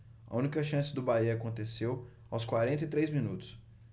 a única chance do bahia aconteceu aos quarenta e três minutos